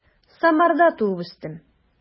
Самарда туып үстем.